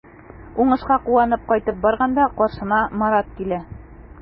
Уңышка куанып кайтып барганда каршыма Марат килә.